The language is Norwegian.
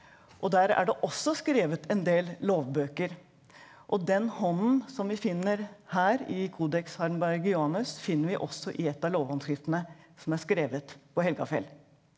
og der er det også skrevet en del lovbøker og den hånden som vi finner her i Codex Hardenbergianus finner vi også i et av lovhåndskriftene som er skrevet på Helgafell.